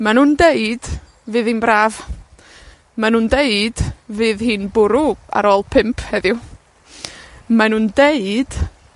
ma' nhw'n deud fydd hi'n braf. Ma' nhw'n deud fydd hi'n bwrw ar ôl pump heddiw. Mae nw'n deud